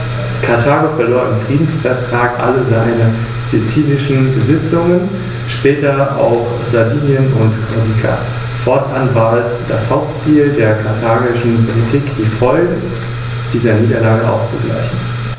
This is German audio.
Auch die regionaltypischen Streuobstwiesen werden nun wieder effizient und werbewirksam zur Produktion von ökologisch wertvollen Nahrungsmitteln genutzt, und schonende, ökologisch verträgliche Energiekonzepte sollen die Qualität des Lebensraumes Rhön sichern und ausbauen.